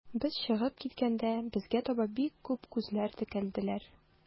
Без чыгып киткәндә, безгә таба бик күп күзләр текәлделәр.